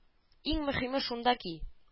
Иң мөһиме шунда ки